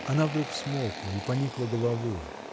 Она вдруг смолкла и поникла головой.